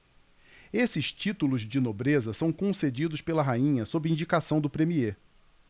esses títulos de nobreza são concedidos pela rainha sob indicação do premiê